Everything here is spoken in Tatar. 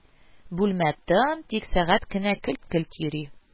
Бүлмә тын, тик сәгать кенә келт-келт йөри